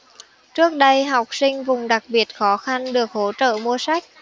trước đây học sinh vùng đặc biệt khó khăn được hỗ trợ mua sách